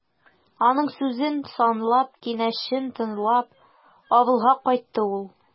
Аның сүзен санлап, киңәшен тыңлап, авылга кайтты ул.